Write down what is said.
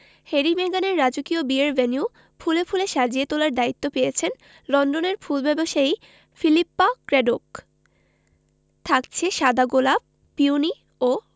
Harry মেগানের রাজকীয় বিয়ের ভেন্যু ফুলে ফুলে সাজিয়ে তোলার দায়িত্ব পেয়েছেন লন্ডনের ফুল ব্যবসায়ী ফিলিপ্পা ক্র্যাডোক থাকছে সাদা গোলাপ পিওনি ও